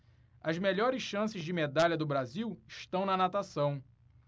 as melhores chances de medalha do brasil estão na natação